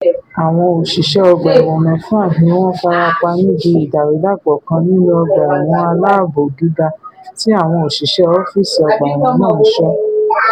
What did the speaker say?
Àwọn òṣiṣẹ́ ọgbà-ẹ̀wọ̀n mẹ́fà níwọn farapa níbi ìdàrúdàpọ̀ kan nínú ọgbà-ẹ̀wọ̀n aláààbò gíga ti àwọn òṣìṣẹ̀ Ọ́fíìsì Ọgbà-ẹ̀wọ̀n náà ń sọ́.